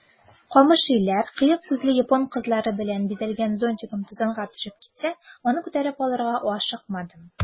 Камыш өйләр, кыек күзле япон кызлары белән бизәлгән зонтигым тузанга төшеп китсә, аны күтәреп алырга ашыкмадым.